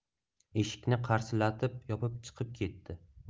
eshikni qarsillatib yopib chiqib ketdi